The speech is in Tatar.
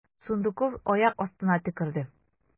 Сундуков аяк астына төкерде.